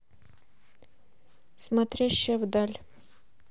смотрящая вдаль